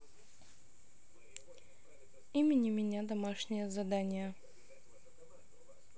имени меня домашнее задание